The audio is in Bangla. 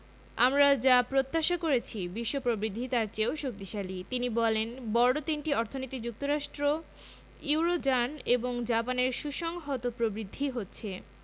আমরা যা প্রত্যাশা করেছি বিশ্ব প্রবৃদ্ধি তার চেয়েও শক্তিশালী তিনি বলেন বড় তিনটি অর্থনীতি যুক্তরাষ্ট্র ইউরোজোন এবং জাপানের সুসংহত প্রবৃদ্ধি হচ্ছে